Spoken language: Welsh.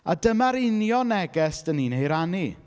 A dyma'r union neges dan ni'n ei rannu.